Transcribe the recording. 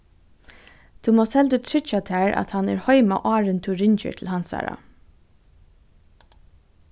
tú mást heldur tryggja tær at hann er heima áðrenn tú ringir til hansara